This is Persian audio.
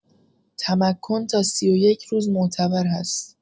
تمکن تا ۳۱ روز معتبر هست.